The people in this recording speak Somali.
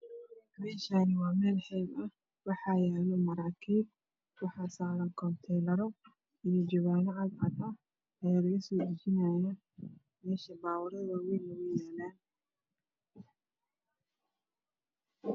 Meeshaani waa meel xeeb waxaa yaalo maraakiib waxa saaran kuteenato jawaano cadacad baaburo waa wayn way yaalana